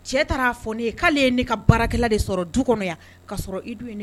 Cɛ